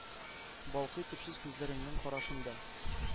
Балкый төпсез күзләренең карашында,